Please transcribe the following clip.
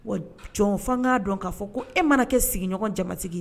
Wa jɔn fo an k'a dɔn k'a fɔ ko e mana kɛ sigiɲɔgɔn jamatigi